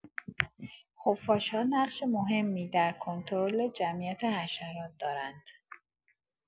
خفاش‌ها نقش مهمی در کنترل جمعیت حشرات دارند.